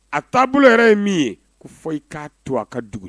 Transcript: A taabolo yɛrɛ ye min ye ko fɔ i k'a to a ka dugu